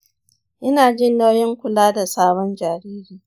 ina jin nauyin kula da sabon jariri.